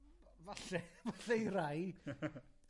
Falle, falle i rai.